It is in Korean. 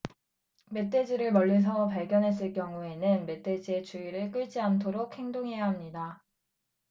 멧돼지를 멀리서 발견했을 경우에는 멧돼지의 주의를 끌지 않도록 행동해야 합니다